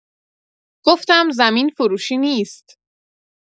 گفتم: «زمین فروشی نیست.»